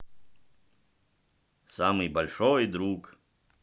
самый большой друг